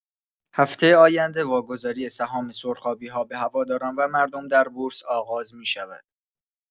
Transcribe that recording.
هفته آینده واگذاری سهام سرخابی‌ها به هواداران و مردم در بورس آغاز می‌شود.